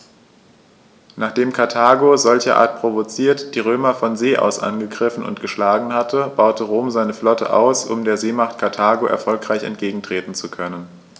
Nachdem Karthago, solcherart provoziert, die Römer von See aus angegriffen und geschlagen hatte, baute Rom seine Flotte aus, um der Seemacht Karthago erfolgreich entgegentreten zu können.